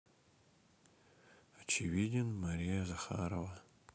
очевиден мария захарова